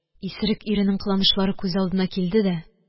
Исерек иренең кылынышлары күз алдына килде дә